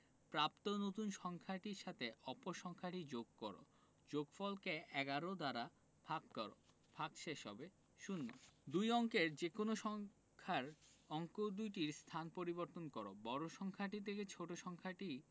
প্রাপ্ত নতুন সংখ্যাটির সাথে অপর সংখ্যাটি যোগ কর যোগফল কে ১১ দ্বারা ভাগ করো ভাগশেষ হবে শূন্য দুই অঙ্কের যেকোনো সংখ্যার অঙ্ক দুইটির স্থান পরিবর্তন করো বড় সংখ্যাটি থেকে ছোট ছোট সংখ্যাটি